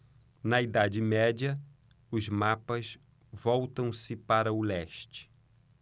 na idade média os mapas voltam-se para o leste